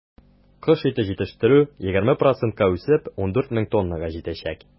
Кош ите җитештерү, 20 процентка үсеп, 14 мең тоннага җитәчәк.